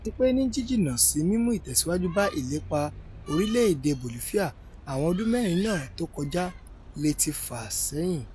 Àtipé ní jíjìnnà sí mímú ìtẹ̵̀síwájú bá ìlépa orílẹ̀-èdè Bolifia, àwọn ọdún mẹ́rin náà tókọjá leè ti fà á sẹ́yìn.